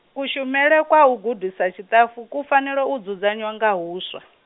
kushumele kwa u gudisa tshiṱafu ku fanela u dzudzanywa nga huswa.